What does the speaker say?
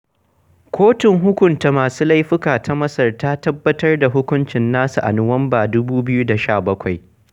Kotun hukunta masu laifuka ta Masar ta tabbatar da hukuncin nasa a Nuwamban 2017.